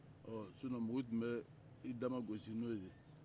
ɔɔ sinon mɔgɔw tun bɛ i damagosi n'o de ye